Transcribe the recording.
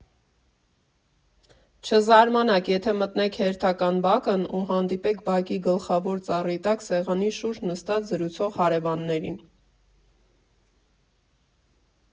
Չզարմանաք, եթե մտնեք հերթական բակն ու հանդիպեք բակի գլխավոր ծառի տակ սեղանի շուրջ նստած զրուցող հարևաններին։